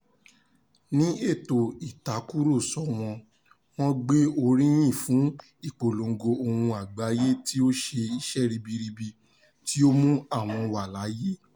Ní ètò ìtàkùrọ̀sọ wọn, wọ́n gbé orí yìn fún ìpolongo Ohùn Àgbáyé tí ó ṣe iṣẹ́ ribiribi tí ó mú àwọn wà láyé.